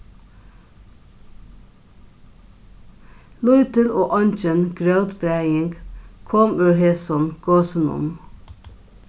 lítil og eingin grótbræðing kom úr hesum gosinum